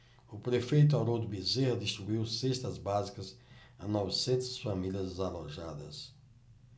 o prefeito haroldo bezerra distribuiu cestas básicas a novecentas famílias desalojadas